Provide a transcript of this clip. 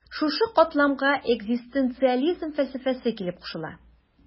Шушы катламга экзистенциализм фәлсәфәсе килеп кушыла.